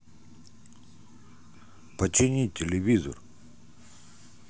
почини телевизор